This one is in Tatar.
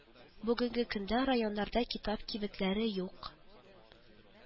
Бүгенге көндә районнарда китап кибетләре юк